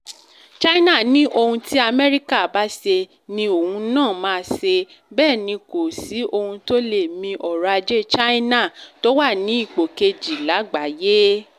China ni ohun tí Amẹ́ríkà bá ṣe ni òun náà máa ṣe e. Bẹ́ẹ̀ ni kò sí ohun tó lè mi ọ̀rọ̀-ajé China tó wà ní ipò kejì lágbàáyé.